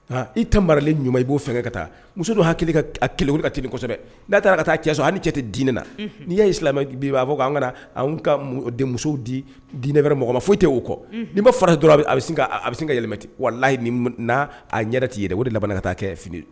I ta maralen ɲuman i b'o fɛn ka taa muso dɔ hakili ka kɛlɛw ka tɛmɛsɛbɛ n'a taara ka taa cɛ hali ni cɛ tɛ dininɛ na n'i y'i silamɛ b' b'a fɔ an ka ka denmuso musow di dinɛ wɛrɛɛrɛ mɔgɔ ma foyi tɛ oo kɔ ni ma fara dɔrɔn a a bɛ ka yɛlɛma walahiyi ni n'a a ɲɛɛrɛ' i yɛrɛ o de laban ka taa kɛ fini